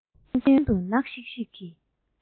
གཡས གཡོན ཀུན ཏུ ནག ཤིག ཤིག གི